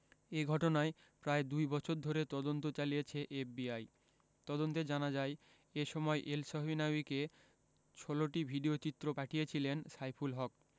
এ ঘটনায় প্রায় দুই বছর ধরে তদন্ত চালিয়েছে এফবিআই তদন্তে জানা যায় এ সময় এলসহিনাউয়িকে ১৬টি ভিডিওচিত্র পাঠিয়েছিলেন সাইফুল হক